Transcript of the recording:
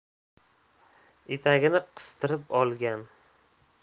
etagini qistirib olgan